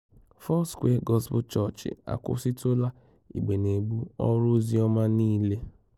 Foursquare Gospel Church akwusịtụla Igbenegbu "ọrụ oziọma niile".